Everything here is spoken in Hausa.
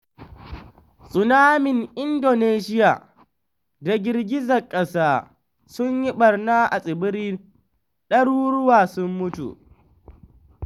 Tsunamin Indonesiya da Girgizar ƙasa sun yi ɓarna a Tsibiri, Ɗaruruwa Sun Mutu